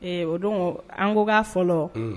Ee o don an ko' fɔlɔ